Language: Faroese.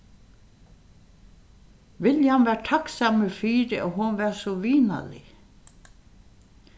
william var takksamur fyri at hon var so vinarlig